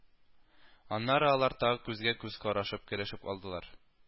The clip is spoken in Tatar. Аннары алар тагы күзгә-күз карашып, көлешеп алдылар